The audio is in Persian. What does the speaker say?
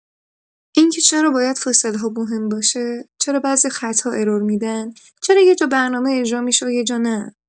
این که چرا باید فاصله‌ها مهم باشه، چرا بعضی خط‌ها ارور می‌دن، چرا یه جا برنامه اجرا می‌شه و یه جا نه.